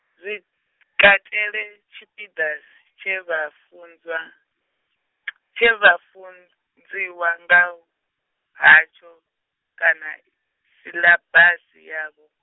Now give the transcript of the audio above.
zwikateli tshipiḓa, tshe vha funzwa, tshe vha funziwa nga, hatsho, kana siḽabasi yavho.